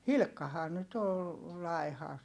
Hilkkahan nyt oli laiha